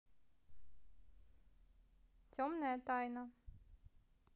темная тайна